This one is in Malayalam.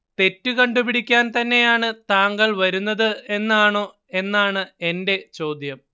തെറ്റ് കണ്ടു പിടിക്കാൻ തന്നെയാണ് താങ്കൾ വരുന്നത് എന്നാണോ എന്നാണ് എന്റെ ചോദ്യം